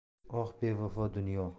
oh bevafo dunyo